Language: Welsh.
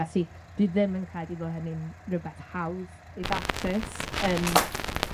Felly dwi ddim yn credu bo' hynny'n rwbeth hawdd i ddatrys yn